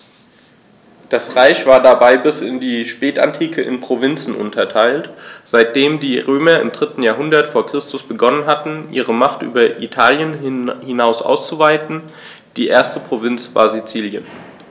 Das Reich war dabei bis in die Spätantike in Provinzen unterteilt, seitdem die Römer im 3. Jahrhundert vor Christus begonnen hatten, ihre Macht über Italien hinaus auszuweiten (die erste Provinz war Sizilien).